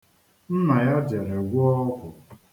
Nna ya jere gwọ ọgwụ.